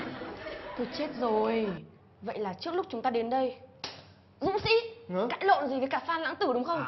thôi chết rồi vậy là trước lúc chúng ta đến đây dũng sĩ cãi lộn gì với cả phan lãng tử đúng không